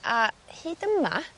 a hyd yma